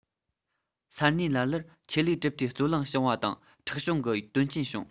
ས གནས ལ ལར ཆོས ལུགས གྲུབ མཐའི རྩོད གླེང བྱུང བ དང ཁྲག ཕྱུང གི དོན རྐྱེན བྱུང